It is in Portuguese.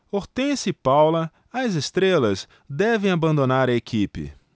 hortência e paula as estrelas devem abandonar a equipe